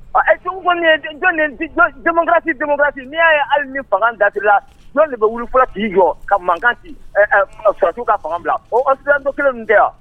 Ɔ eee jamanakurati n'i y'a ye hali ni fanga dati la jɔn nin bɛ wu fɔra ki jɔ ka makan citi ka fanga bila don kelen tɛ yan